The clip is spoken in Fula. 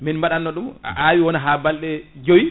min mbaɗonno ɗum a awi wona balɗe joyyi